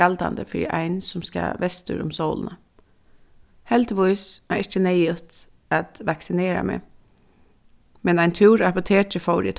galdandi fyri ein sum skal vestur um sólina heldigvís var ikki neyðugt at vaksinera meg men ein túr á apotekið fór eg